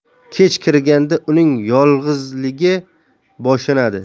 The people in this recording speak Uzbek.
kech kirganda uning yolg'izligi boshlanadi